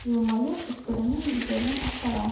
Елмаеп, дәфтәрнең битләрен актара.